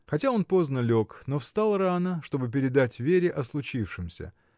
Хотя он поздно лег, но встал рано, чтобы передать Вере о случившемся.